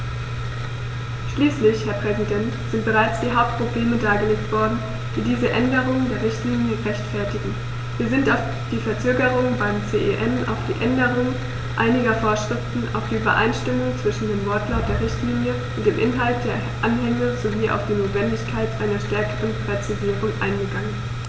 Schließlich, Herr Präsident, sind bereits die Hauptprobleme dargelegt worden, die diese Änderung der Richtlinie rechtfertigen, wir sind auf die Verzögerung beim CEN, auf die Änderung einiger Vorschriften, auf die Übereinstimmung zwischen dem Wortlaut der Richtlinie und dem Inhalt der Anhänge sowie auf die Notwendigkeit einer stärkeren Präzisierung eingegangen.